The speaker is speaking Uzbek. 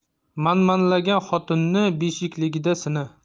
manmanlagan xotinni beshikligida sina